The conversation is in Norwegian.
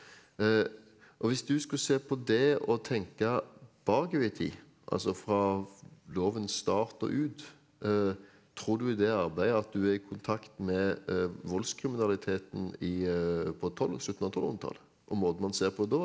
og hvis du skulle se på det å tenke bakover i tid altså fra lovens start og ut tror du i det arbeidet at du er i kontakt med voldskriminaliteten i på tolv slutten av tolvhundretallet og måten man ser på det da,